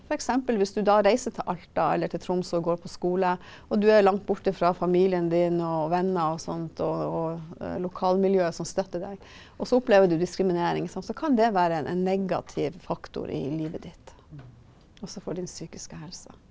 f.eks. hvis du da reiser til Alta eller til Tromsø og går på skole, og du er langt borte fra familien din og venner og sånt og og lokalmiljøet som støtter deg og så opplever du diskriminering sant, så kan det være en en negativ faktor i livet ditt, også for din psykiske helse.